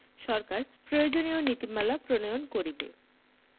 সরকার প্রয়োজনীয় নীতিমালা প্রণয়ন করিবে